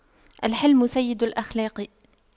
الحِلْمُ سيد الأخلاق